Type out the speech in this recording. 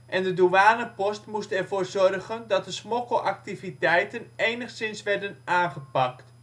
en de douanepost moest ervoor zorgen dat de smokkelactiviteiten enigszins werden aangepakt